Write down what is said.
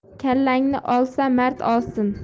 kallangni olsa mard olsin